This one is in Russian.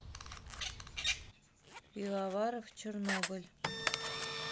пивоваров чернобыль